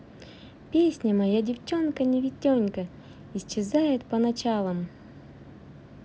песня моя девчонка не витенька исчезает по началам